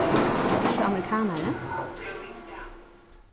ert tú amerikanari